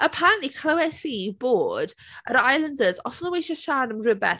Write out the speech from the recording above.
Apparently clywais i bod yr islanders, os o'n nhw isie siarad am rhywbeth...